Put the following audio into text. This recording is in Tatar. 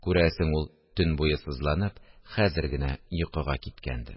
Күрәсең, ул, төн буе сызланып, хәзер генә йокыга киткәндер